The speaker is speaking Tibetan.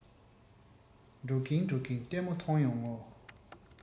འགྲོ གིན འགྲོ གིན ལྟད མོ མཐོང ཡོང ངོ